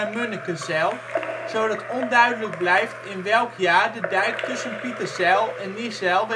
Munnekezijl, zodat onduidelijk blijft in welk jaar de dijk tussen Pieterzijl en Niezijl